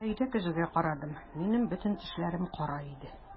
Ә өйдә көзгегә карадым - минем бөтен тешләрем кара иде!